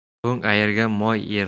to'ng ayirgan moy yer